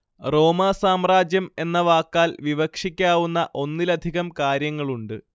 റോമാ സാമ്രാജ്യം എന്ന വാക്കാല്‍ വിവക്ഷിക്കാവുന്ന ഒന്നിലധികം കാര്യങ്ങളുണ്ട്